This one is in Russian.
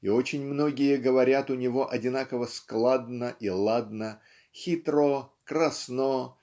и очень многие говорят у него одинаково складно и ладно хитро красно